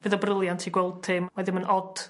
Fydd o briliant i gweld hi mae ddim yn od